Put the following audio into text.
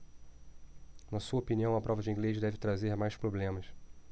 na sua opinião a prova de inglês deve trazer mais problemas